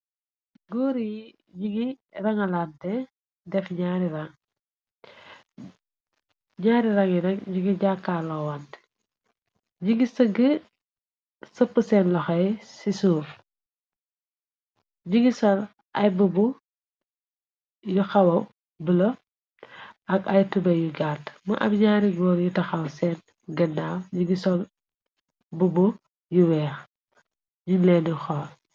Goor yi jingi rangalante def ñaari rangi na jigi jàkkaalo wante jigi sëgg sëpp seen loxey ci suuf jigi sol ay bubu yu xawa bla ak ay tube yu gart mu ab ñaari góor yi taxaw seen gennaaw jigi sol bu bu yu weex juñ leendi xool.